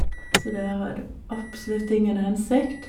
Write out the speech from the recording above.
Så det har absolutt ingen hensikt.